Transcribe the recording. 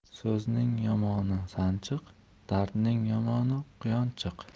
so'zning yomoni sanchiq dardning yomoni quyonchiq